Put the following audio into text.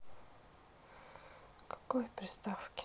какой приставки